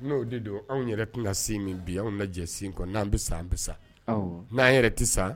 N'o de don anw yɛrɛ tun ka sin min bi anw lajɛsin kɔnɔ n'an bɛ an bi sa n'an yɛrɛ tɛ sa